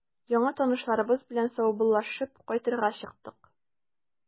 Яңа танышларыбыз белән саубуллашып, кайтырга чыктык.